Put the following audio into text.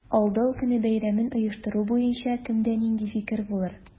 Алдау көне бәйрәмен оештыру буенча кемдә нинди фикер булыр?